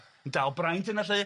Yn dal braint yna 'lly.